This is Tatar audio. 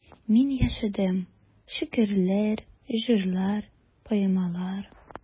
Мин яшәдем: шигырьләр, җырлар, поэмалар.